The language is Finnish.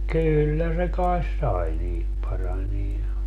kyllä se kai sai niitä paranemaan ja